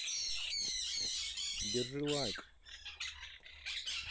держи лайк